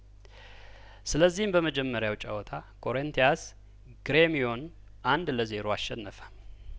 ስለዚህም በመጀመሪያው ጨዋታ ኮሬንቲያስ ክሬሚዮን አንድ ለዜሮ አሸነፈ